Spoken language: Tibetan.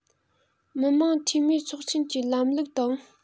མི དམངས འཐུས མིའི ཚོགས ཆེན གྱི ལམ ལུགས དང